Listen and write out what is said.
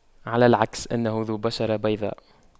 على العكس انه ذو بشرة بيضاء